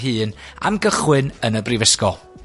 hŷn am gychwyn yn y brifysgol.